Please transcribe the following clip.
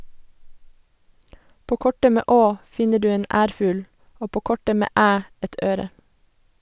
På kortet med Å, finner du en ærfugl, og på kortet med Æ et øre.